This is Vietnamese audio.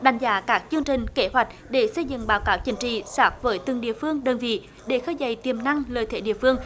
đánh giá các chương trình kế hoạch để xây dựng báo cáo chính trị sát với từng địa phương đơn vị để khơi dậy tiềm năng lợi thế địa phương